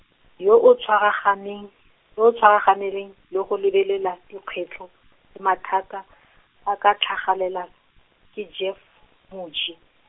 yo o tshwaraganeng, yo tshwaraganeng le go lebelela dikgwetlho, le mathata a ka tlhagelelang ke Jeff Moji.